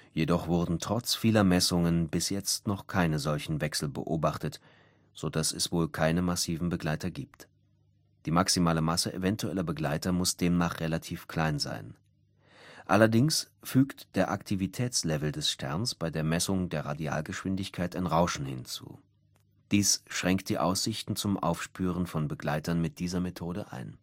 Jedoch wurden trotz vieler Messungen bis jetzt noch keine solchen Wechsel beobachtet, so dass es wohl keine massiven Begleiter gibt. Die maximale Masse eventueller Begleiter muss demnach relativ klein sein. Allerdings fügt der Aktivitätslevel des Sterns bei der Messung der Radialgeschwindigkeit ein Rauschen hinzu. Dies schränkt die Aussichten zum Aufspüren von Begleitern mit dieser Methode ein